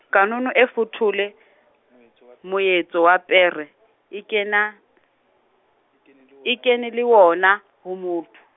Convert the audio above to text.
kanono e fothole, moetse wa pere, e kena , e kene le wona, ho motho.